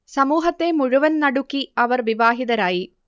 സമൂഹത്തെ മുഴുവൻ നടുക്കി അവർ വിവാഹിതരായി